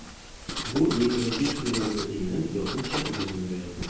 Бу егерме биш миллионлы илнең якынча йөз меңгә якыны.